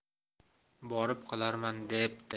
borib qolarman debdi